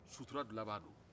sutura dilanbaa don